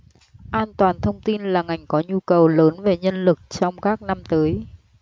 an toàn thông tin là ngành có nhu cầu lớn về nhân lực trong các năm tới